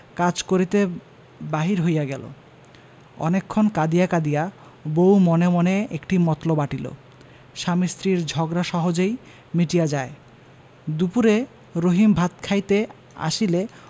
কাজ করিতে বাহির হইয়া গেল অনেকক্ষণ কাঁদিয়া কাঁদিয়া বউ মনে মনে একটি মতলব আঁটিল স্বামী স্ত্রীর ঝগড়া সহজেই মিটিয়া যায় দুপুরে রহিম ভাত খাইতে আসিলে